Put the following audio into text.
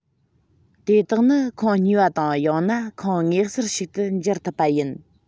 དེ དག ནི ཁོངས གཉིས པ དང ཡང ན ཁོངས ངེས གསལ ཞིག ཏུ འགྱུར ཐུབ པ ཡིན